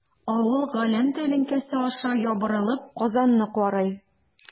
Авыл галәм тәлинкәсе аша ябырылып Казанны карый.